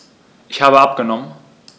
Ich habe abgenommen.